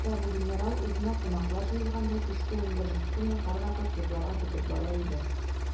Менә бу генерал, үзенә кунаклар җыелганда, кичке унбер җиттеме, һәрвакыт йокларга китеп бара иде.